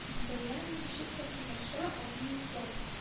Белән ничек тә килешә алмый икән